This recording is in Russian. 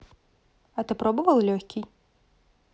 а ты попробовал легкий